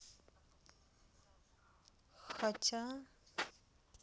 хотя